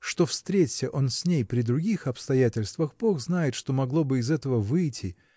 что встреться он с ней при других обстоятельствах, -- бог знает, что могло бы из этого выйти